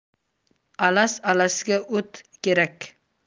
alas alasga o't kerak